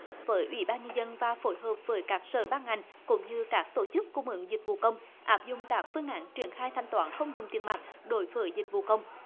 với ủy ban nhân dân và phối hợp với các sở ban ngành cũng như các tổ chức cung ứng dịch vụ công áp dụng các phương án triển khai thanh toán không dùng tiền mặt đối với dịch vụ công